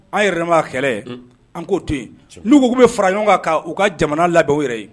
An' yɛrɛ dama ka kɛlɛ un an k'o to ye n'u ko k'u be fara ɲɔgɔn ŋa ka u ka jamana labɛn u yɛrɛ ye